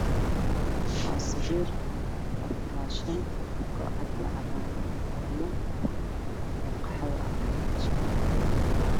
Waa sariir waxaa saaran go iyo midabkoodi yahay buluug iyo cadaan laba kun medina ayaa geesaha taalo